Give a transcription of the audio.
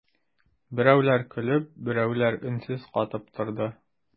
Берәүләр көлеп, берәүләр өнсез катып торды.